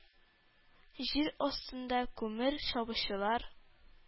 Җир астында күмер чабучылар,